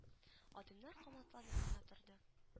Адымнар каматланып кына торды